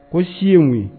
Ko si ye mun ye